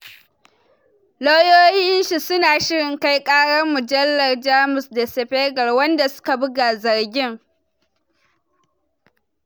Lauyoyin shi su na shirin kai ƙarar mujallar Jamus Der Spiegel, wanda suka buga zargin.